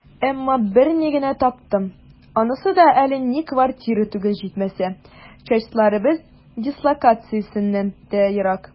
Әмма берне генә таптым, анысы да әллә ни квартира түгел, җитмәсә, частьләребез дислокациясеннән дә ерак.